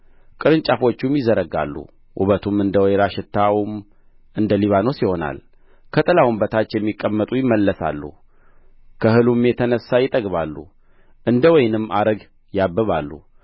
ቅርንጫፎቹም ይዘረጋሉ ውበቱም እንደ ወይራ ሽታውም እንደ ሊባኖስ ይሆናል ከጥላውም በታች የሚቀመጡ ይመለሳሉ ከእህሉም የተነሣ ይጠግባሉ እንደ ወይንም አረግ ያብባሉ